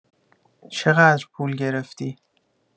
چقدر پول گرفتی